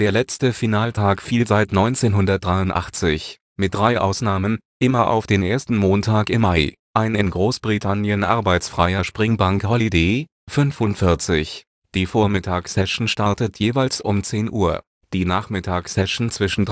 letzte Finaltag fiel seit 1983 (mit drei Ausnahmen) immer auf den ersten Montag im Mai, ein in Großbritannien arbeitsfreier Spring Bank Holiday. Die Vormittags-Session startet jeweils um 10:00 Uhr, die Nachmittags-Session zwischen